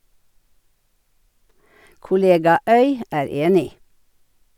Kollega Øy er enig.